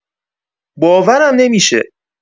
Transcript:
باورم نمی‌شه!